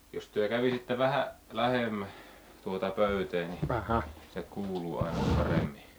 jos te kävisitte vähän lähemmäksi tuota pöytää niin se kuuluu aina paremmin